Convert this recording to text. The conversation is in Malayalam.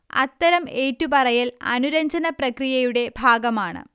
അത്തരം ഏറ്റുപറയൽ അനുരഞ്ജനപ്രക്രിയയുടെ ഭാഗമാണ്